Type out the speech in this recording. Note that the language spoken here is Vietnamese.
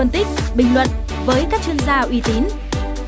phân tích bình luận với các chuyên gia uy tín